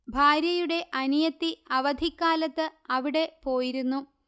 ഭാര്യയുടെ അനിയത്തി അവധിക്കാലത്ത് അവിടെ പോയിരുന്നു